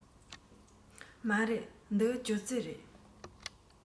མ རེད འདི ཅོག ཙེ རེད